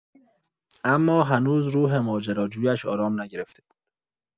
اما هنوز روح ماجراجویش آرام نگرفته بود.